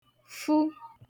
fụ